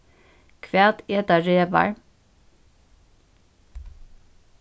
hvat eta revar